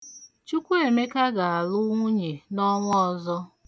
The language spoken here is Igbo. Chukwuemēkā ga-alụ nwunye n'ọnwa ọzọ.